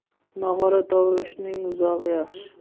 nog'ora tovushining uzog'i yaxshi